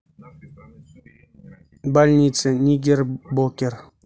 больница никербокер